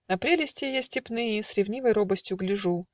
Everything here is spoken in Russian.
На прелести ее степные С ревнивой робостью гляжу.